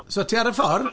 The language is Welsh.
So ti ar y ffordd?